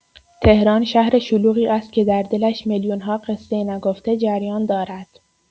تهران شهر شلوغی است که در دلش میلیون‌ها قصه نگفته جریان دارد.